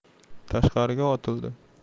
tashqariga otildi